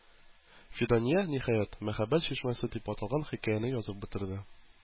Фидания, ниһаять, "Мәхәббәт чишмәсе" дип аталган хикәяне язып бетерде.